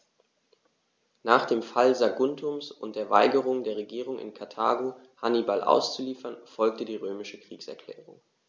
Nach dem Fall Saguntums und der Weigerung der Regierung in Karthago, Hannibal auszuliefern, folgte die römische Kriegserklärung.